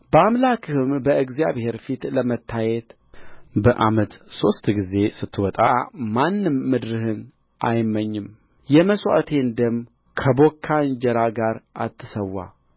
በአምላክህም በእግዚአብሔር ፊት ለመታየት በዓመት ሦስት ጊዜ ስትወጣ ማንም ምድርህን አይመኝም የመሥዋዕቴን ደም ከቦካ እንጀራ ጋር አትሠዋ